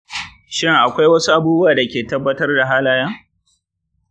shin akwai wasu abubuwa da ke taɓarbarar da halayyen?